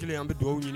Kelen an bɛ duwawu ɲi